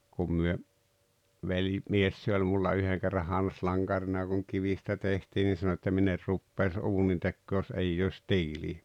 kun me - velimies se oli minulla yhden kerran hanslankarina kun kivistä tehtiin niin sanoi että minä en rupeaisi uunintekoon jos ei olisi tiiliä